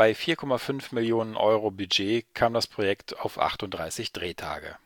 4,5 Millionen Euro Budget kam das Projekt auf 38 Drehtage